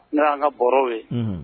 N'a y'an ka bɔrɛw ye. Unhun.